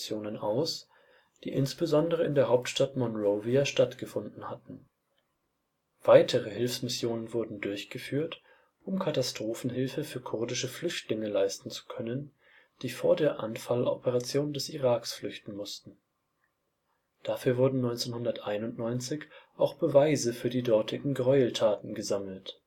aus, die insbesondere in der Hauptstadt Monrovia stattgefunden hatten. Weitere Hilfsmissionen wurden durchgeführt, um Katastrophenhilfe für kurdische Flüchtlinge leisten zu können, die vor der Anfal-Operation des Iraks flüchten mussten. Dafür wurden 1991 auch Beweise für die dortigen Gräueltaten gesammelt